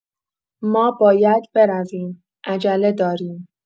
ما باید برویم، عجله داریم.